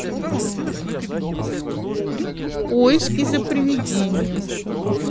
поиски за приведением